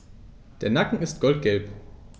Der Nacken ist goldgelb.